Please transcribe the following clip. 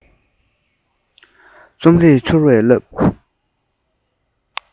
རྩོམ རིག འཕྱུར བའི རླབས